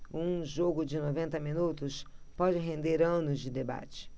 um jogo de noventa minutos pode render anos de debate